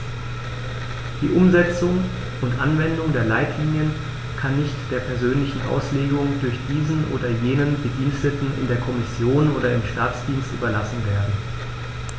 Die Umsetzung und Anwendung der Leitlinien kann nicht der persönlichen Auslegung durch diesen oder jenen Bediensteten in der Kommission oder im Staatsdienst überlassen werden.